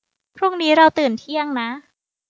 พรุ่งนี้เราต้องตื่นเที่ยงนะ